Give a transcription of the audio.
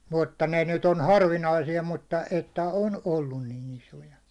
mutta ne nyt on harvinaisia mutta että on ollut niin isoja